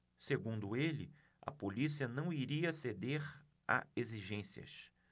segundo ele a polícia não iria ceder a exigências